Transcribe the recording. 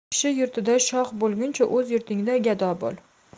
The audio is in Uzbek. kishi yurtida shoh bo'lguncha o'z yurtingda gado bo'l